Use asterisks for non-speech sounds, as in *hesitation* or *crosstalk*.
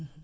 *hesitation* *hesitation*